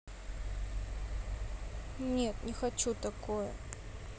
нет не хочу такое